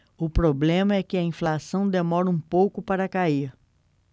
o problema é que a inflação demora um pouco para cair